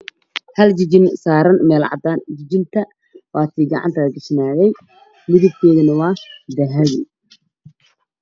Hal jajin saaran meel cadaana waa tii gacanta la gashanaaye midabkeedana waa dahabi